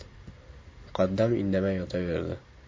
muqaddam indamay yotaverdi